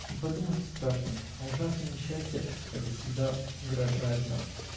и подумать страшно, а ужасное несчастие это всегда угрожает нам.